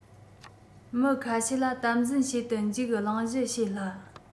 མི ཁ ཤས ལ དམ འཛིན བྱེད དུ འཇུག གླེང གཞི བྱེད སླ